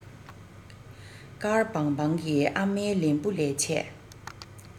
དཀར བང བང གི ཨ མའི ལན བུ ལས ཆད